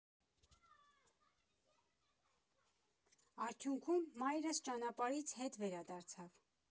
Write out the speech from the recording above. Արդյունքում մայրս ճանապարհից հետ վերադարձավ։